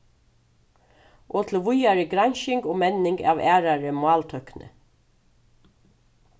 og til víðari gransking og menning av aðrari máltøkni